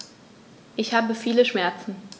Ich habe viele Schmerzen.